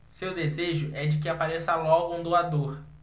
seu desejo é de que apareça logo um doador